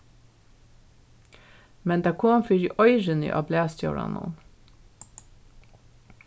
men tað kom fyri oyruni á blaðstjóranum